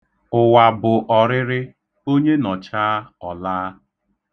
Uwa bụ ọrịrị; onye nọchaa, ọ laa.